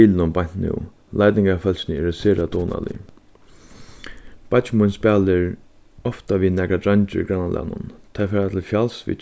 bilinum beint nú leitingarfólkini eru sera dugnalig beiggi mín spælir ofta við nakrar dreingir í grannalagnum teir fara til fjals við